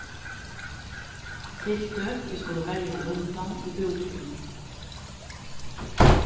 tiltøk ið skulu verja lundan í bútíðini